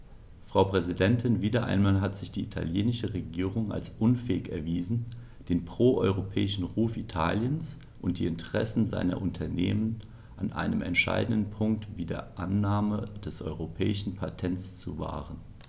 Frau Präsidentin, wieder einmal hat sich die italienische Regierung als unfähig erwiesen, den pro-europäischen Ruf Italiens und die Interessen seiner Unternehmen an einem entscheidenden Punkt wie der Annahme des europäischen Patents zu wahren.